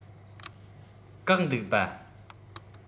བཀག འདུག པ ཡིན